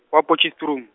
wa Potchefstroom.